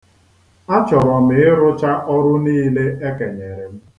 A chọrọ m ịrụcha ọrụ niile e kenyere m.